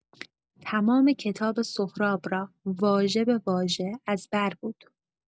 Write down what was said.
تمام کتاب سهراب را واژه به واژه از بر بود.